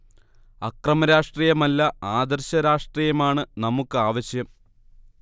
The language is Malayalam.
അക്രമ രാഷ്ട്രീയമല്ല ആദർശ രാഷട്രീയമാണ് നമുക്ക് ആവശ്യം